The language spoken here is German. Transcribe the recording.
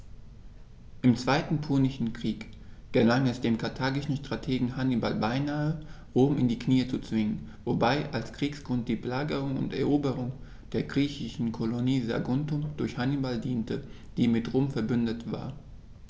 Im Zweiten Punischen Krieg gelang es dem karthagischen Strategen Hannibal beinahe, Rom in die Knie zu zwingen, wobei als Kriegsgrund die Belagerung und Eroberung der griechischen Kolonie Saguntum durch Hannibal diente, die mit Rom „verbündet“ war.